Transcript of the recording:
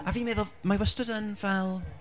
A fi'n meddwl mae wastad yn fel...